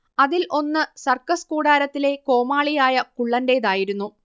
അതിൽ ഒന്ന് സർക്കസ് കൂടാരത്തിലെ കോമാളിയായ കുള്ളന്റേതായിരുന്നു